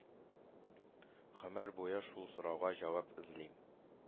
Гомер буе шул сорауга җавап эзлим.